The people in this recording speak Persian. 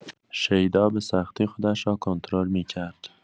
شیدا به‌سختی خودش را کنترل می‌کرد.